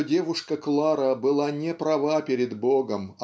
что девушка Клара была не права перед Богом